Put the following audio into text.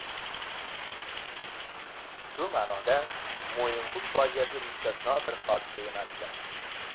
shu ma'noda mo'yinqum fojiasi mustasno bir hodisa emasdi